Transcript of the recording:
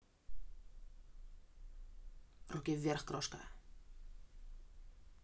руки вверх крошка